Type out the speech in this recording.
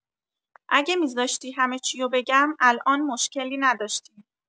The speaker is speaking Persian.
اگه میزاشتی همه چیو بگم الان مشکلی نداشتیم.